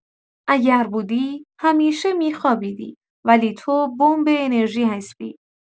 اگر بودی، همیشه می‌خوابیدی، ولی تو بمب انرژی هستی.